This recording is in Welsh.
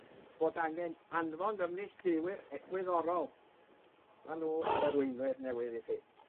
bod angen anfon ymneilltuwyr egwyddorol ma' nw yr arweinwyr newydd i chi.